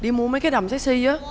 đi mua mấy cái dầm xếch xi á